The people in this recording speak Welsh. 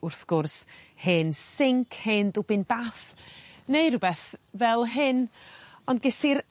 wrth gwrs hen sinc hen dwbyn bath neu rwbeth fel hyn ond ges i'r